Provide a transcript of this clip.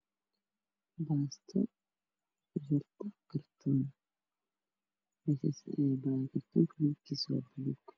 Baasto waxay ku jirtaa kartoon kartaan ka midabkiisu waa baluk